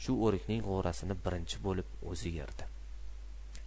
shu o'rikning g'o'rasini birinchi bo'lib o'zi yerdi